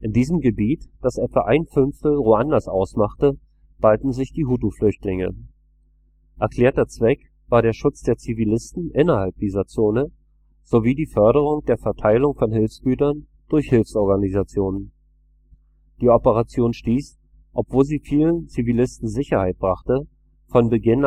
diesem Gebiet, das etwa ein Fünftel Ruandas ausmachte, ballten sich die Hutu-Flüchtlinge. Erklärter Zweck war der Schutz der Zivilisten innerhalb dieser Zone sowie die Förderung der Verteilung von Hilfsgütern durch Hilfsorganisationen. Die Operation stieß, obwohl sie vielen Zivilisten Sicherheit brachte, von Beginn